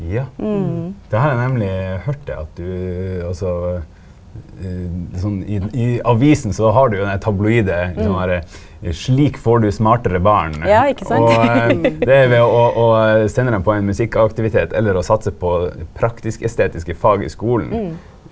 ja det har eg nemleg høyrt det at du altså sånn i i avisa så har du jo den der tabloide litt sånn derre slik får du smartare barn, og det er ved å å senda dei på ein musikkaktivitet eller å satsa på praktisk-estetiske fag i skulen.